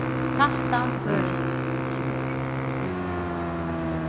saltað føroyskt smør